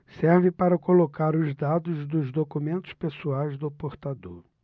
serve para colocar os dados dos documentos pessoais do portador